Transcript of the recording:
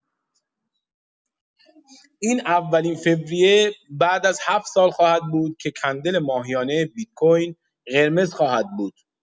این اولین فوریه بعد از هفت سال خواهد بود که کندل ماهیانه بیت کوین قرمز خواهد بود.